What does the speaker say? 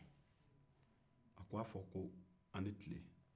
a ko a fɔ ko a ni tile